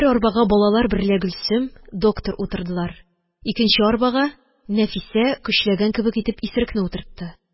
Бер арбага балалар берлә Гөлсем, доктор утырдылар. Икенче арбага Нәфисә көчләгән кебек итеп исерекне утыртты.